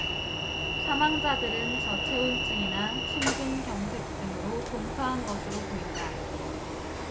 사망자들은 저체온증이나 심근경색 등으로 동사한 것으로 보인다